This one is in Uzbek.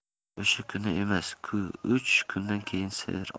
o'sha kuni emas ku uch kundan keyin sir ochildi